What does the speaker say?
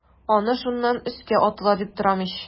Аны шуннан өскә атыла дип торам ич.